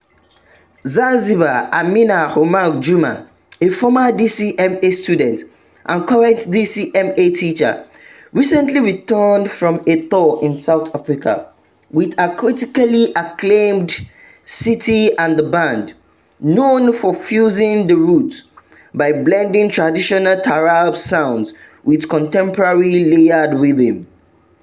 Zanzibar’s Amina Omar Juma, a former DCMA student and current DCMA teacher, recently returned from a tour in South Africa with her critically acclaimed, "Siti and the Band", known for "fusing the roots" by blending traditional taarab sounds with contemporary, layered rhythms.